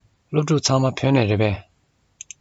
སློབ ཕྲུག ཚང མ བོད ལྗོངས ནས རེད པས